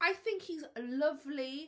I think he's lovely.